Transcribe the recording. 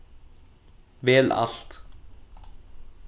vel alt